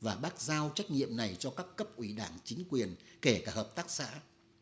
và bác giao trách nhiệm này cho các cấp ủy đảng chính quyền kể cả hợp tác xã